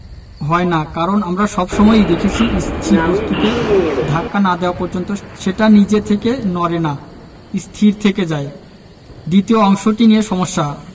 হয় না কারণ আমরা সব সময়ই দেখেছি স্থির বস্তুকে ধাক্কা না দেওয়া পর্যন্ত সেটা নিজে থেকে নড়ে না স্থির থেকে যায় দ্বিতীয় অংশটি নিয়ে সমস্যা